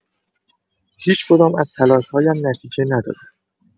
هیچ‌کدام از تلاش‌هایم نتیجه ندادند.